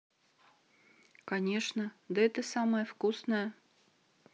конечно да это самое вкусное